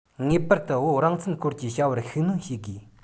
ངེས པར དུ བོད རང བཙན སྐོར གྱི བྱ བར ཤུགས སྣོན བྱེད དགོས